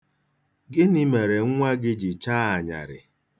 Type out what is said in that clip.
Gịnị mere nwa gị ji chaa anyarị?